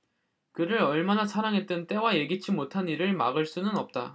그를 얼마나 사랑했든 때와 예기치 못한 일을 막을 수는 없다